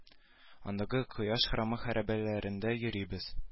Андагы кояш храмы хәрабәләрендә йөрибез